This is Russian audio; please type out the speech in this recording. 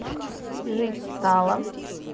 жить стало